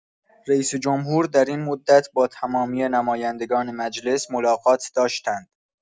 رئیس‌جمهور در این مدت با تمامی نمایندگان مجلس ملاقات داشتند.